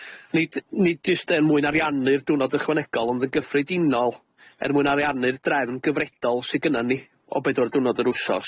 Nid nid jyst er mwyn ariannu'r dwrnod ychwanegol ond yn gyffredinol er mwyn ariannu'r drefn gyfredol sy gynnan ni o bedwar dwrnod yr wsos.